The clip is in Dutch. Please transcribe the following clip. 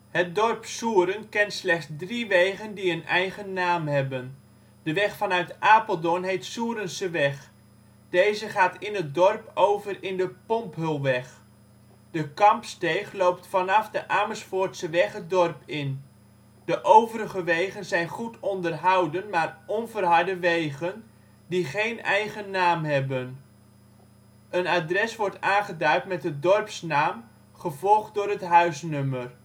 Het dorp Hoog Soeren kent slechts drie wegen die een eigen naam hebben. De weg vanuit Apeldoorn heet Soerenseweg. Deze gaat in het dorp over in de Pomphulweg. De Kampsteeg loopt vanaf de Amersfoortseweg het dorp in. De overige wegen zijn goed onderhouden maar onverharde wegen, die geen eigen naam hebben. Een adres wordt aangeduid met de dorpsnaam, gevolgd door het huisnummer